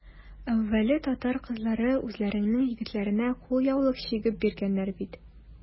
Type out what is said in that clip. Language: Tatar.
Әүвәле татар кызлары үзләренең егетләренә кулъяулык чигеп биргәннәр бит.